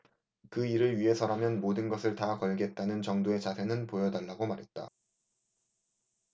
그 일을 위해서라면 모든 것을 다 걸겠다는 정도의 자세는 보여달라고 말했다